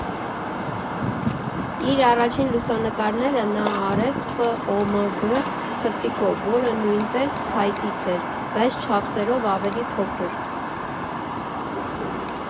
Իր առաջին լուսանկարները նա արեց ՊՕՄԳ խցիկով, որը նույնպես փայտից էր, բայց չափսերով ավելի փոքր։